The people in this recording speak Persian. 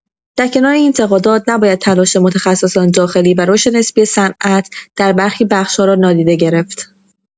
در کنار این انتقادات، نباید تلاش متخصصان داخلی و رشد نسبی صنعت در برخی بخش‌ها را نادیده گرفت.